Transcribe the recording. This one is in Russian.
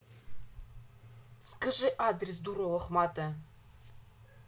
скажи адрес дура лохматая